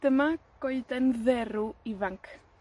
Dyma goeden dderw ifanc.